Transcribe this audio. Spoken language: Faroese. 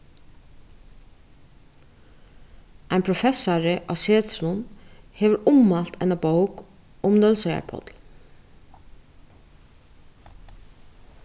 ein professari á setrinum hevur ummælt eina bók um nólsoyar páll